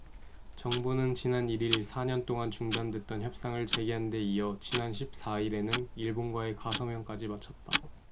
정부는 지난 일 일 사 년 동안 중단됐던 협상을 재개한 데 이어 지난 십 사 일에는 일본과의 가서명까지 마쳤다